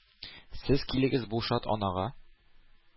Сез килегез бу шат анага,